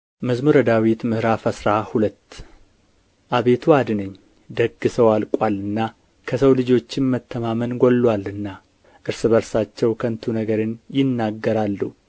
መዝሙር ምዕራፍ አስራ ሁለት አቤቱ አድነኝ ደግ ሰው አልቆአልና ከሰው ልጆችም መተማመን ጐድሎአልና እርስ በርሳቸው ከንቱ ነገርን ይናገራሉ